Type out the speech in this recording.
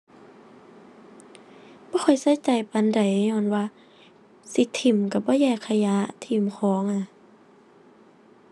บ่ค่อยใส่ใจปานใด ญ้อนว่าสิถิ้มก็บ่แยกขยะ ถิ้มของอะ